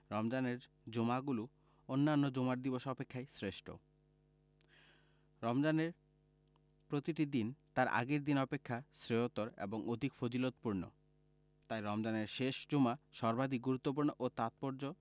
রমজানের জুমাগুলো অন্যান্য জুমার দিবস অপেক্ষা শ্রেষ্ঠ রমজানের প্রতিটি দিন তার আগের দিন অপেক্ষা শ্রেয়তর এবং অধিক ফজিলতপূর্ণ তাই রমজানের শেষ জুমা সর্বাধিক গুরুত্বপূর্ণ ও তাৎপর্য